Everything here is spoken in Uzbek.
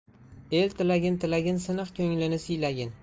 el tilagin tilagin siniq ko'nglin siylagin